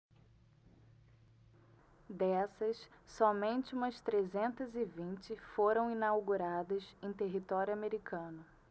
dessas somente umas trezentas e vinte foram inauguradas em território americano